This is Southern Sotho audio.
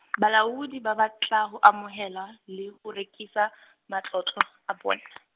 Bolaodi ba ba tla ho amohela, le ho rekisa , matlotlo a bona.